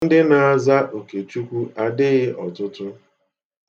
Ndị na-aza Okechukwu adịghị ọtụtụ.